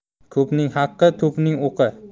ko'pning haqi to'pning o'qi